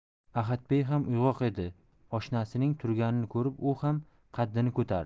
ahadbey ham uyg'oq edi oshnasining turganini ko'rib u ham qaddini ko'tardi